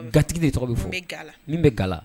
Gatigi de tɔgɔ bɛ fo min bɛ ga